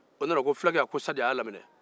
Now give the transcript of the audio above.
o nana a ko sdi a y'a laminɛ